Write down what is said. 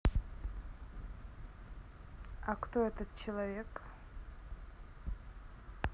а кто этот человек